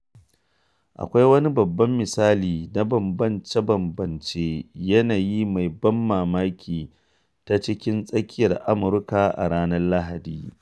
Akwai wani babban misali na bambance-bambancen yanayi mai ban mamaki ta cikin tsakiyar Amurka a ranar Lahadi.